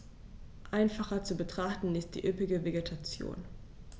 Einfacher zu betrachten ist die üppige Vegetation.